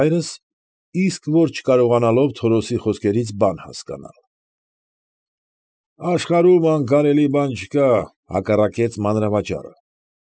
Հայրս, իսկ որ չկարողանալով Թորոսի խոսքերից բան հասկանալ։ ֊ Աշխարհում անկարելի բան չկա, ֊ հակառակեց մանրավաճառը։